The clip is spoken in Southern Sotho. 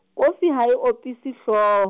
kofi ha e opise hlo.